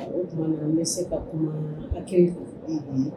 O tuma na n bɛ se ka kuma kelenku